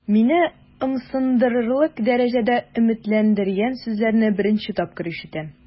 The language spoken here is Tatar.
Мине ымсындырырлык дәрәҗәдә өметләндергән сүзләрне беренче тапкыр ишетәм.